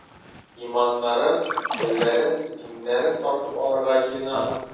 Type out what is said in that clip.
Иманнарын, телләрен, диннәрен тартып алырга җыенамы?